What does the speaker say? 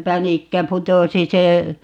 pänikkä putosi se